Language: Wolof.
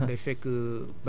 mais c' est que voilà